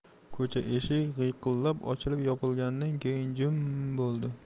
ko'cha eshik g'iyqillab ochilib yopilganidan keyin jim buldi